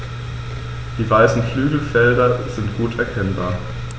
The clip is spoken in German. Die weißen Flügelfelder sind gut erkennbar.